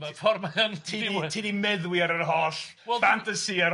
ma'r ffordd mae o'n... Ti di- ti di meddwi ar yr holl ffantasi a'r holl...